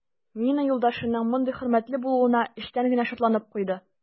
Нина юлдашының мондый хөрмәтле булуына эчтән генә шатланып куйды.